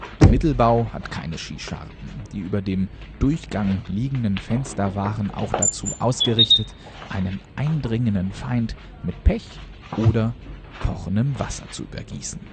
Der Mittelbau hat keine Schießscharten. Die über dem Durchgang liegenden Fenster waren auch dazu ausgerichtet, einen eindringenden Feind mit Pech oder kochendem Wasser zu übergießen